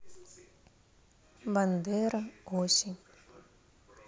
бандера осень